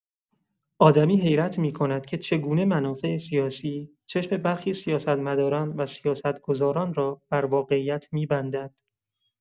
آدمی حیرت می‌کند که چگونه منافع سیاسی، چشم برخی سیاست‌مداران و سیاست‌گذاران را بر واقعیت می‌بندد.